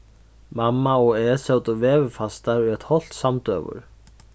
mamma og eg sótu veðurfastar í eitt hálvt samdøgur